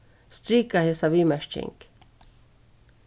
strika hesa viðmerking